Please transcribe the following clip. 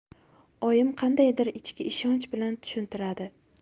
oyim qandaydir ichki ishonch bilan tushuntiradi